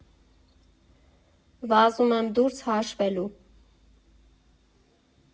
Վազում եմ դուրս հաշվելու։